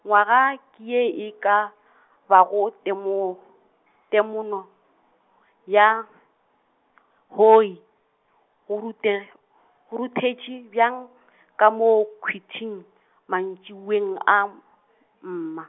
ngwaga ke ye e ka , bago temo , temono-, ya , hoi-, go rute-, ho ruthetše bjang, ka mo khwitšhing, mantšiboeng a m- , mma.